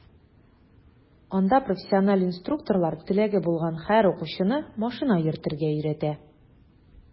Анда профессиональ инструкторлар теләге булган һәр укучыны машина йөртергә өйрәтә.